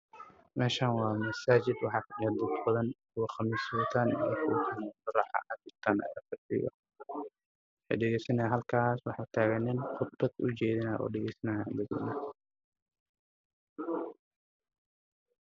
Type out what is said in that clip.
Waa masjid waxa ay wataan qamiis caddaan ah waxaa hortagan nin